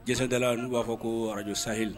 Dɛsɛdala olu' b'a fɔ ko arajo sayil